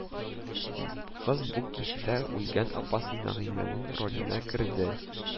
Кыз бу кичтә үлгән апасы Нәгыймәнең роленә керде